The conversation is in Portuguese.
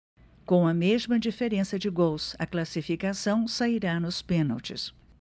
com a mesma diferença de gols a classificação sairá nos pênaltis